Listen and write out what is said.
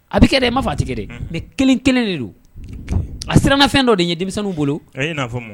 A bɛ kɛ dɛ n ma fɔ a tɛ kɛ dɛ mais kelen kelen de do a siranna fɛn dɔ de ɲɛ demisɛnninw bolo ɛ i na fɔ mun